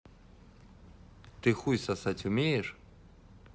ты хуй сосать умеешь